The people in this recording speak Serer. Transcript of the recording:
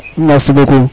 merci beaucoup